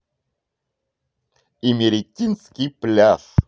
имеретинский пляж